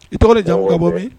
I tɔgɔ n'i jamu ka bɔ min